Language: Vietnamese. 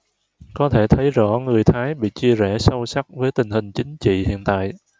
có thể thấy rõ người thái bị chia rẽ sâu sắc với tình hình chính trị hiện tại